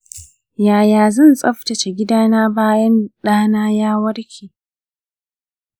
yaya zan tsaftatace gidana bayan ɗana ya warke?